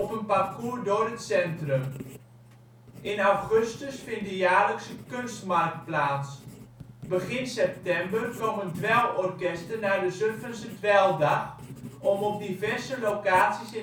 een parcours door het centrum. In augustus vindt de jaarlijkse kunstmarkt plaats. Begin september komen dweilorkesten naar de Zutphense Dweildag, om op diverse locaties